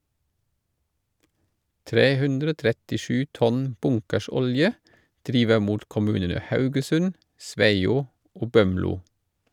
337 tonn bunkersolje driver mot kommunene Haugesund, Sveio og Bømlo.